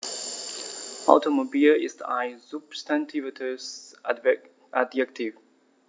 Automobil ist ein substantiviertes Adjektiv.